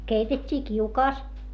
keitettiin kiukaassa